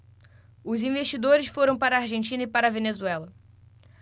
os investidores foram para a argentina e para a venezuela